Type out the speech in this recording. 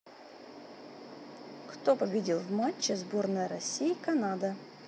кто победил в матче сборная россии канада